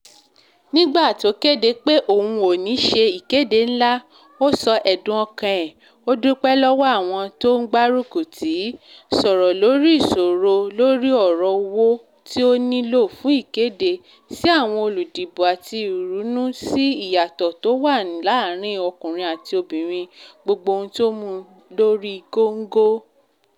Nígbà tó kéde pé òun ‘ò ní sẹ ìkéde ńlá, ó sọ ẹ̀dùn ọkàn ẹ̀ – ó dúpẹ́ lọ́wọ́ àwọn t’ọ́n gbárùkùtí, sọ̀rọ̀ lóri ìsoro lóri ọ̀rọ̀ owó tí ó ní lò fún ìkéde sí àwọn olùdìbò àti ìrúnú sí ìyàtọ̀ tó waà láàrin ọkùnrin àti obìnrin – gbogbo ohun tó muú dorí góńgó.